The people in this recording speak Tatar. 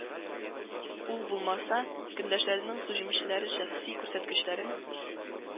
Ул булмаса, көндәшләрнең һөҗүмчеләре шәхси күрсәткечләрен